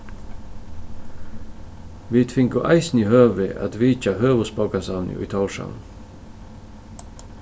vit fingu eisini høvi at vitja høvuðsbókasavnið í tórshavn